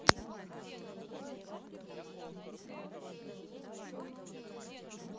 какая завтра погода будет быстро говори